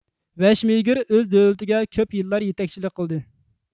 ۋەشمېگىر ئۆز دۆلىتىگە كۆپ يىللار يېتەكچىلىك قىلدى